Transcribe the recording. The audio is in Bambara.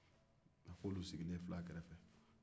olu sigilen filɛ a kɛrɛfɛ